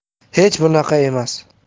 hech bunaqa emas